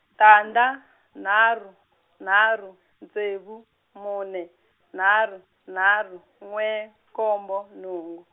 tandza, nharhu nharhu ntsevu mune nharhu nharhu n'we nkombo nhungu.